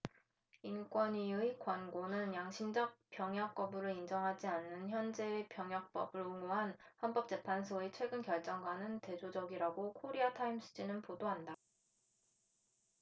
인권위의 권고는 양심적 병역 거부를 인정하지 않는 현재의 병역법을 옹호한 헌법 재판소의 최근 결정과는 대조적이라고 코리아 타임스 지는 보도한다